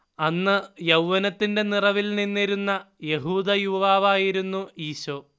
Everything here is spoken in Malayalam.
അന്ന് യൗവ്വനത്തിന്റെ നിറവിൽ നിന്നിരുന്ന യഹൂദ യുവാവായിരുന്നു ഈശോ